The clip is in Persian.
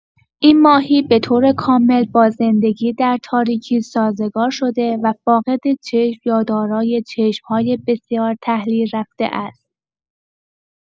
این ماهی به‌طور کامل با زندگی در تاریکی سازگار شده و فاقد چشم یا دارای چشم‌های بسیار تحلیل‌رفته است.